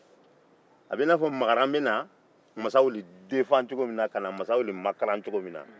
a bɛ i n'a fɔ mankaran bɛ na mansaw makaran cogo min na